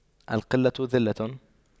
القلة ذلة